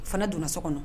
Fana donna so kɔnɔ